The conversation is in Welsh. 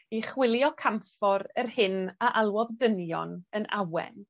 i chwilio camffor yr hyn a alwodd dynion yn awen.